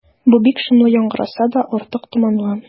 Бу бик шомлы яңгыраса да, артык томанлы.